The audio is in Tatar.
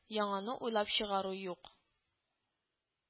Яңаны уйлап чыгару юк